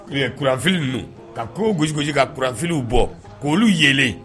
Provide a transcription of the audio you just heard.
E kuran fil ninnu ka kogo gosigosi ka kuran fil ninnu bɔ k'olu yeelen